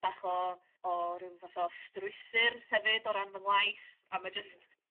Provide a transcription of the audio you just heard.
bach o o ryw fath o strwythur hefyd o ran fy ngwaith a ma' jyst